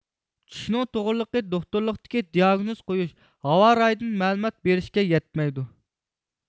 چۈشنىڭ توغرىلىقى دوختۇرلۇقتىكى دىئاگنۇز قويۇش ھاۋارايىدىن مەلۇمات بېرىشكە يەتمەيدۇ